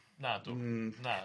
Na, dw- na.